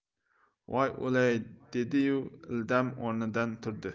voy o'lay dedi yu ildam o'rnidan turdi